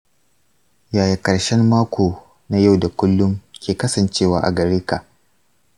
yaya karshen mako na yau da kullun ke kasancewa a gare ka?